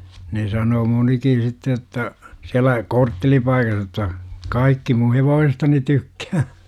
ne sanoo monikin sitten jotta siellä korttelipaikassa jotta kaikki minun hevosestani tykkää